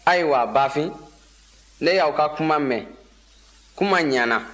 ayiwa bafin ne y'aw ka kuma mɛn kuma ɲana